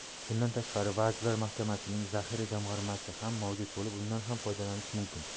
bundan tashqari vazirlar mahkamasining zaxira jamg'armasi ham mavjud bo'lib undan ham foydalanish mumkin